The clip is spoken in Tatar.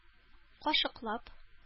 Кашыклап